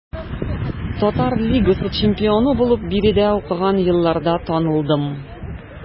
Татар лигасы чемпионы булып биредә укыган елларда танылдым.